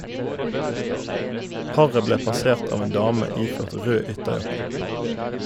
Paret ble passert av en dame iført rød ytterjakke.